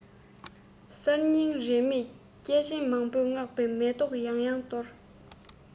གསར རྙིང རིས མེད སྐྱེས ཆེན མང པོས བསྔགས པའི མེ ཏོག ཡང ཡང གཏོར